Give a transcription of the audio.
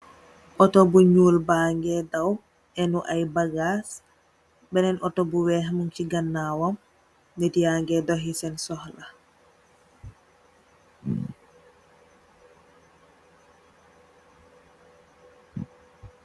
Auto bu ñuul bangèè daw èu ay bagaas, beneen auto bu weex muñci ganawam, nit ña ngè doxi sèèn soxla.